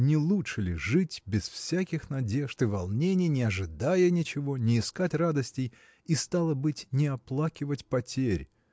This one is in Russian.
Не лучше ли жить без всяких надежд и волнений не ожидать ничего не искать радостей и стало быть не оплакивать потерь?.